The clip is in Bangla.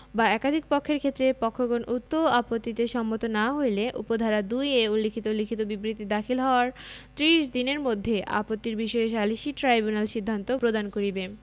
বা একাধিক পক্ষের কেষত্রে পক্ষগণ উক্ত আপত্তিতে সম্মত না হইরে উপ ধারা ২ এ উল্লেখিত লিখিত বিবৃতি দাখিল হওয়ার ত্রিশ দনের মধ্যে আপত্তির বিষয়ে সালিসী ট্রাইব্যুনাল সিদ্ধান্ত প্রদান করিবে